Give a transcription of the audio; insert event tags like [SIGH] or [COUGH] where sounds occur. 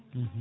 [HESITATION] [HESITATION]